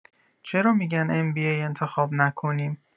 چرا می‌گن MBA انتخاب نکنیم؟